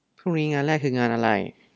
พรุ่งนี้่ิงานแรกคืองานอะไร